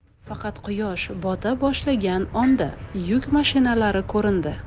faqat quyosh bota boshlagan onda yuk mashinalari ko'rindi